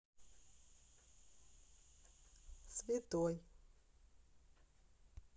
святой